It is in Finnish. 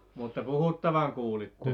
mutta puhuttavan kuulitte